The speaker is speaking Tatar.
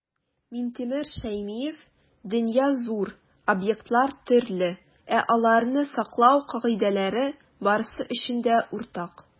Минтимер Шәймиев: "Дөнья - зур, объектлар - төрле, ә аларны саклау кагыйдәләре - барысы өчен дә уртак".